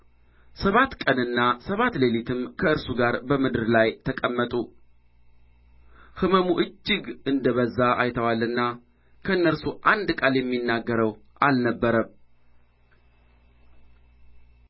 ሰባት ሌሊትም ከእርሱ ጋር በምድር ላይ ተቀመጡ ሕመሙም እጅግ እንደ በዛ አይተዋልና ከእነርሱ አንድ ቃል የሚናገረው አልነበረም